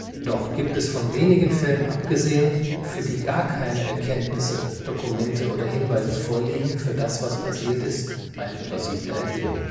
Doch gibt es von wenigen Fällen abgesehen, für die gar keine Erkenntnisse, Dokumente oder Hinweise vorliegen (zum Teil einschließlich der Glaubhaftigkeit des Verschwindens), für das, was passiert ist, eine plausible Erklärung